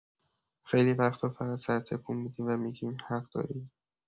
خیلی وقتا فقط سر تکون می‌دیم و می‌گیم حق دارین.